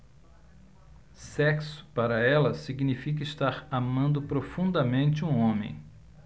sexo para ela significa estar amando profundamente um homem